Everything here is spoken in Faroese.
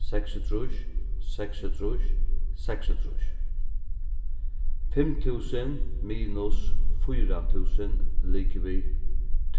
seksogtrýss seksogtrýss seksogtrýss fimm túsund minus fýra túsund ligvið